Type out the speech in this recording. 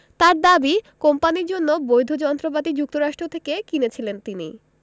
তাঁর দাবি কোম্পানির জন্য বৈধ যন্ত্রপাতি যুক্তরাষ্ট্র থেকে কিনেছিলেন তিনি